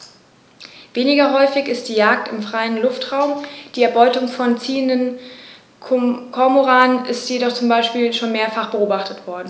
Weniger häufig ist die Jagd im freien Luftraum; die Erbeutung von ziehenden Kormoranen ist jedoch zum Beispiel schon mehrfach beobachtet worden.